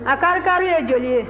a karikari ye joli ye